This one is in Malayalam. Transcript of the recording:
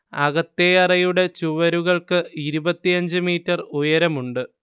അകത്തെ അറയുടെ ചുവരുകൾക്ക് ഇരുപത്തിയഞ്ച് മീറ്റർ ഉയരമുണ്ട്